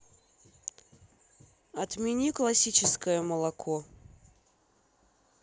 отмени классическое молоко